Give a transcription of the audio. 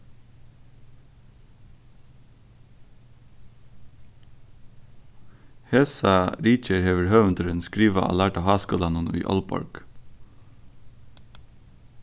hesa ritgerð hevur høvundurin skrivað á lærda háskúlanum í aalborg